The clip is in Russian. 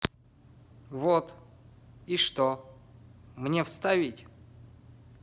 вот и что мне вставить